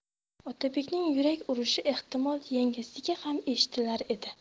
otabekning yurak urishi ehtimol yangasiga ham eshitilar edi